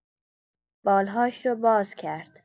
بال‌هاش رو باز کرد.